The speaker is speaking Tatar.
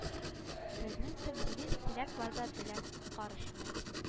Безнең төп девиз теләк барда беләк карышмый